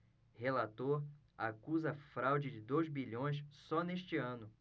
relator acusa fraude de dois bilhões só neste ano